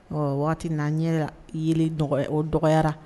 Ɔ waati wagati n' n ɲɛ ye dɔgɔ o dɔgɔyara